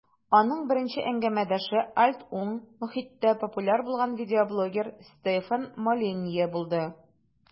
Аның беренче әңгәмәдәше "альт-уң" мохиттә популяр булган видеоблогер Стефан Молинье булды.